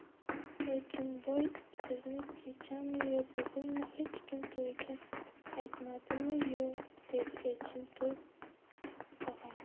elchinboy sizni kechami yo bugunmi hech kim to'yga aytmadimi yo'q dedi elchin to'ng ohangda